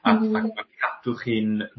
a ma' nw'n cadw chi'n